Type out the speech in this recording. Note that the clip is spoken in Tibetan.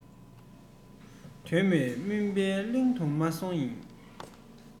རིན ཆེན གསེར གྱི འདོད པ ཡོད ཟེར ན